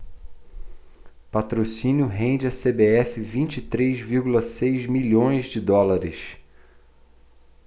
patrocínio rende à cbf vinte e três vírgula seis milhões de dólares